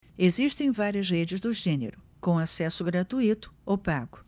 existem várias redes do gênero com acesso gratuito ou pago